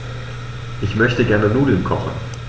Ich möchte gerne Nudeln kochen.